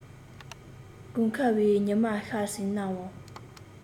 དགུན ཁའི ཉི མ ཤར ཟིན ན འང